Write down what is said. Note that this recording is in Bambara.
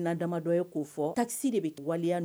Ina damadɔ ye ko fɔ de bɛ waleya